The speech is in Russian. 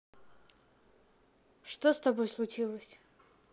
что с тобой случилось